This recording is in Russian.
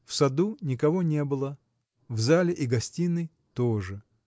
В саду никого не было, в зале и гостиной тоже.